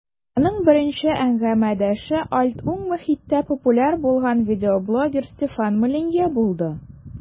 Аның беренче әңгәмәдәше "альт-уң" мохиттә популяр булган видеоблогер Стефан Молинье булды.